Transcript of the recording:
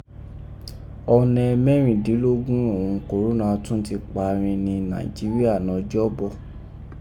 Ọnẹ mẹrindinlogun òghun kòrónà tọ́n pa rin ni Naijiria nọ'jọ́bọ̀.